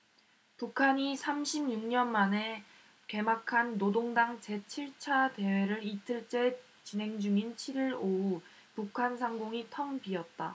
북한이 삼십 육 년 만에 개막한 노동당 제 칠 차 대회를 이틀 째 진행 중인 칠 일 오후 북한 상공이 텅 비어 있다